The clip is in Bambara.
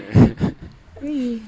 Un